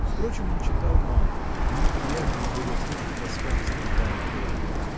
Впрочем, он читал мало: ему приятнее было слушать рассказы старика Антона.